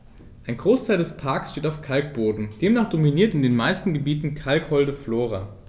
Ein Großteil des Parks steht auf Kalkboden, demnach dominiert in den meisten Gebieten kalkholde Flora.